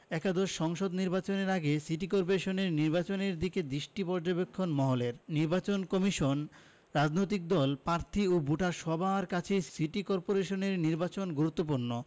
একাদশ সংসদ নির্বাচনের আগে সিটি করপোরেশন নির্বাচনের দিকে দৃষ্টি পর্যবেক্ষক মহলের নির্বাচন কমিশন রাজনৈতিক দল প্রার্থী ও ভোটার সবার কাছেই সিটি করপোরেশন নির্বাচন গুরুত্বপূর্ণ